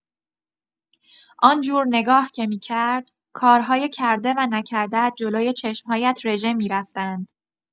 آن‌جور نگاه که می‌کرد، کارهای کرده و نکرده‌ات جلوی چشم‌هایت رژه می‌رفتند.